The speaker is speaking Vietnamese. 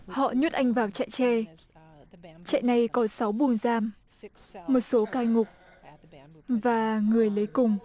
họ nhốt anh vào trại tre trại nay có sáu buồng giam một số cai ngục và người nấy cùng